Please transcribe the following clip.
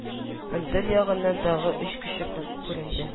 Ындыр ягыннан тагы өч кеше күренде